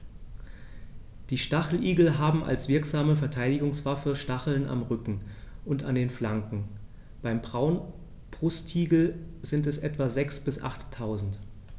Die Stacheligel haben als wirksame Verteidigungswaffe Stacheln am Rücken und an den Flanken (beim Braunbrustigel sind es etwa sechs- bis achttausend).